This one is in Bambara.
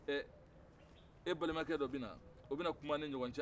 e balimakɛ dɔ bɛ na o bɛna kum'an ni ɲɔgɔn cɛ